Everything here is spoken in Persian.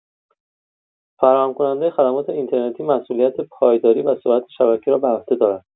فراهم‌کنندۀ خدمات اینترنتی مسئولیت پایداری و سرعت شبکه را بر عهده دارد.